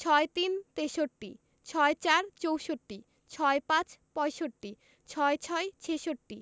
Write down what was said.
৬৩ – তেষট্টি ৬৪ – চৌষট্টি ৬৫ – পয়ষট্টি ৬৬ – ছেষট্টি